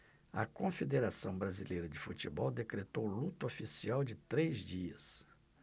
a confederação brasileira de futebol decretou luto oficial de três dias